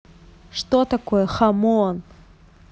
что такое хамон